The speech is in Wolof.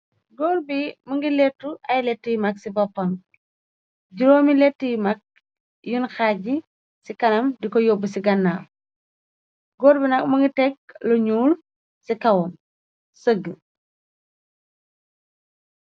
Góor bi më ngi léttu ay léttu yu mag ci boppam juróomi létt yu mag yun xaaj yi ci kanam di ko yóbb ci gannaaw góor bi nag mu ngi tekk lu ñuul ci kawoom sëggi.